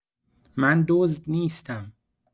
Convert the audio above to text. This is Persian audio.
من دزد نیستم.